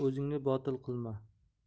o'zingni botil qilma